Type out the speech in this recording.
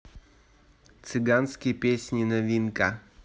цыганские песни новинка